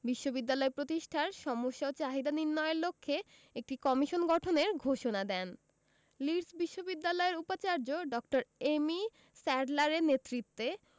বিশ্ববিদ্যালয় প্রতিষ্ঠার সমস্যা ও চাহিদা নির্ণয়ের লক্ষ্যে একটি কমিশন গঠনের ঘোষণা দেন লিড্স বিশ্ববিদ্যালয়ের উপাচার্য ড. এম.ই স্যাডলারের